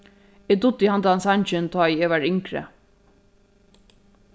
eg dugdi handan sangin tá ið eg var yngri